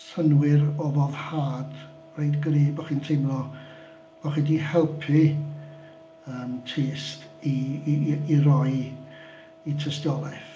Synnwyr o foddhad reit gry bo' chi'n teimlo bo' chi 'di helpu yym tyst i roi eu tystiolaeth.